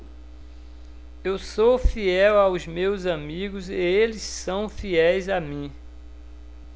eu sou fiel aos meus amigos e eles são fiéis a mim